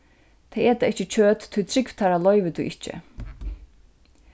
tey eta ikki kjøt tí trúgv teirra loyvir tí ikki